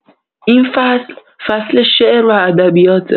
این فصل، فصل شعر و ادبیاته.